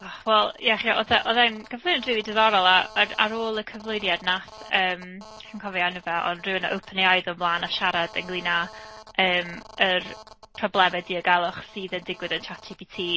O wel ie chibod, oedd e oedd e'n gyflwyniad rili diddorol a ac ar ôl y cyflwyniad wnaeth yym... sa i'n cofio enw fe, ond rywun o OpenAI ddod mlaen a siarad ynglyn â yym yr problemau diogelwch sydd yn digwydd yn ChatGPT.